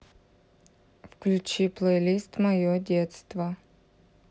включи плейлист мое детство